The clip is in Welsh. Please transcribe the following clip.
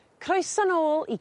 Croeso nôl i...